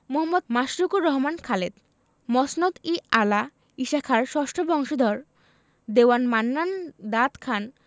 মো. মাশরুকুর রহমান খালেদ মসনদ ই আলা ঈশাখার ষষ্ঠ বংশধর দেওয়ান মান্নান দাদ খান